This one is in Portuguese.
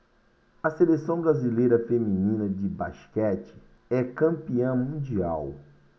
a seleção brasileira feminina de basquete é campeã mundial